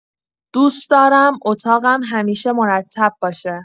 دوست دارم اتاقم همیشه مرتب باشه.